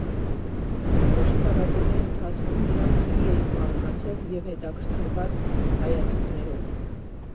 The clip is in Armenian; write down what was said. Ամբողջ փառատոնի ընթացքում դրանք լի էին մարդկանցով և հետաքրքրված հայացքներով։